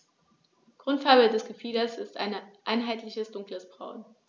Grundfarbe des Gefieders ist ein einheitliches dunkles Braun.